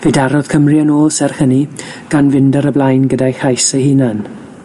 Fe darodd Cymru yn ôl serch hynny, gan fynd ar y blaen gyda'u chais ei hunan.